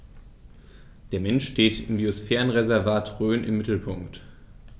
Der Mensch steht im Biosphärenreservat Rhön im Mittelpunkt.